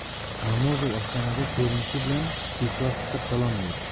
namozov ostonada ko'rinishi bilan peshvoz chiqib salom berdi